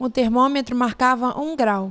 o termômetro marcava um grau